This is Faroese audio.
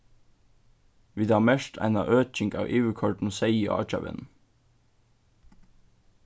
vit hava merkt eina øking av yvirkoyrdum seyði á oyggjarvegnum